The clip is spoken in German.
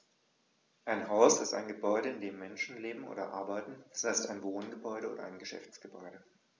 Ein Haus ist ein Gebäude, in dem Menschen leben oder arbeiten, d. h. ein Wohngebäude oder Geschäftsgebäude.